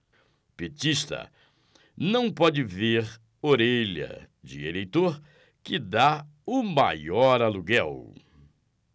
petista não pode ver orelha de eleitor que tá o maior aluguel